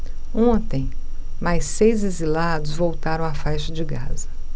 ontem mais seis exilados voltaram à faixa de gaza